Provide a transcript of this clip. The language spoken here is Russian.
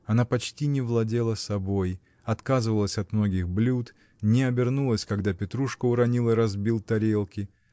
Она почти не владела собой, отказывалась от многих блюд, не обернулась, когда Петрушка уронил и разбил тарелки